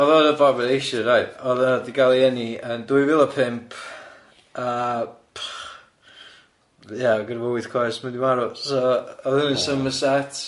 O'dd o'n abomination reit, o'dd o di ga'l ei eni yn dwy fil a pump a pff ia o'dd gynno fo wyth coes, mynd i farw so o'dd o'n Summerset.